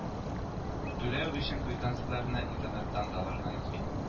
Түләү өчен квитанцияләрне интернеттан да алырга мөмкин